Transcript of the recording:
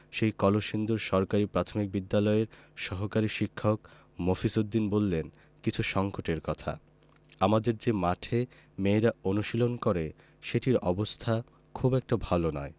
সেই কলসিন্দুর সরকারি প্রাথমিক বিদ্যালয়ের সহকারী শিক্ষক মফিজ উদ্দিন বললেন কিছু সংকটের কথা আমাদের যে মাঠে মেয়েরা অনুশীলন করে সেটির অবস্থা খুব একটা ভালো নয়